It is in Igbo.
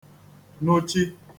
nùchi